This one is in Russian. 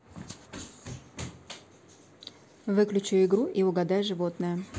включи игру угадай животное